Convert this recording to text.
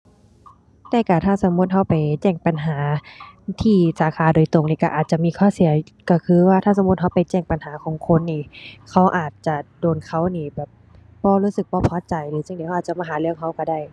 แต่ก็ถ้าสมมุติก็ไปแจ้งปัญหาที่สาขาโดยตรงนี่ก็อาจจะมีข้อเสีย ก็คือว่าถ้าสมมุติว่าก็ไปแจ้งปัญหาของคนนี่ เขาอาจจะโดนเขานี่แบบบ่รู้สึกบ่พอใจ หรือจั่งใด เขาอาจจะมาหาเรื่องก็ก็ได้